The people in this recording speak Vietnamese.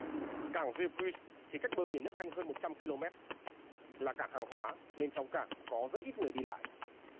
cảng di quy chỉ cách bờ biển nước anh hơn một trăm ki lô mét là cảng hàng hóa nên trong cảng có rất ít người đi lại